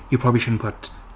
you probably shouldn't put...